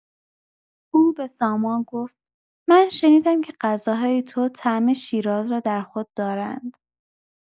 او به سامان گفت: من شنیدم که غذاهای تو طعم شیراز را در خود دارند.